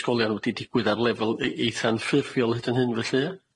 sgolion wedi digwydd ar lefel e- eitha anffurfiol hyd yn hyn felly ia?